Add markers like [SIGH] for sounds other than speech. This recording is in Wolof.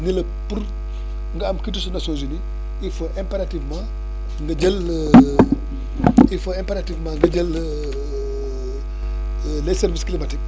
ñu ne la pour nga am qutus Nations-Unies il faut impérativement nga jël [NOISE] [HESITATION] il faut impérativement nga [NOISE] jël [HESITATION] les services climatiques